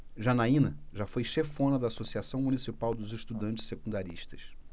janaina foi chefona da ames associação municipal dos estudantes secundaristas